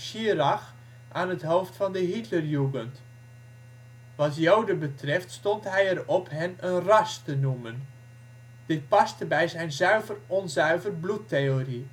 Schirach aan het hoofd van de Hitlerjugend. Wat joden betreft stond hij erop hen een ' ras ' te noemen; dit paste bij zijn zuiver/onzuiver-bloedtheorie